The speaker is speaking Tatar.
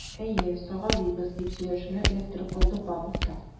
Әйе, сагалыйбыз, - дип сөйләшүне эләктереп алды Павлов та.